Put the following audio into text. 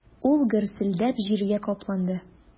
Ул гөрселдәп җиргә капланды.